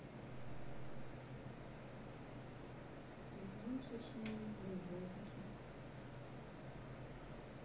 игрушечные паровозики